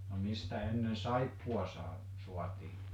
no mistä ennen saippua - saatiin